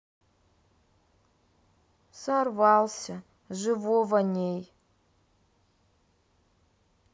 сорвался живого ней